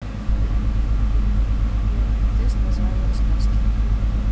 тест название сказки